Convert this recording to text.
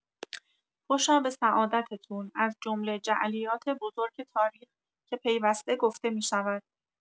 خوشا به سعادتتون از جمله جعلیات بزرگ تاریخ که پیوسته گفته می‌شود.